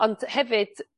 Ond hefyd